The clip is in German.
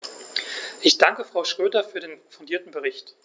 Ich danke Frau Schroedter für den fundierten Bericht.